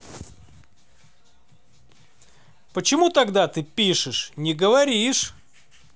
почему тогда ты пишешь не говоришь